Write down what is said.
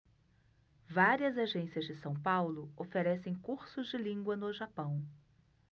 várias agências de são paulo oferecem cursos de língua no japão